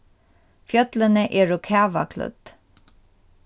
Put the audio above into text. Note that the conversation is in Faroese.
fjøllini eru kavaklødd